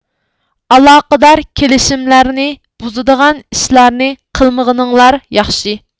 ئالاقىدار كېلىشىملەرنى بۇزىدىغان ئىشلارنى قىلمىغىنىڭلار ياخشى